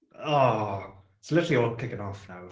Oh! It's literally all kicking off nawr.